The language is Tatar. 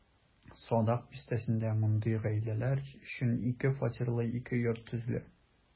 Садак бистәсендә мондый гаиләләр өчен ике фатирлы ике йорт төзелә.